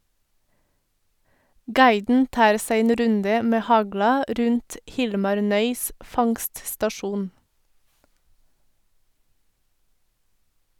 Guiden tar seg en runde med hagla rundt Hilmar Nøis' fangststasjon.